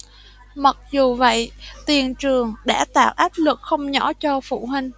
mặc dù vậy tiền trường đã tạo áp lực không nhỏ cho phụ huynh